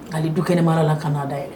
Hali du kɛnɛ mara la ka da ye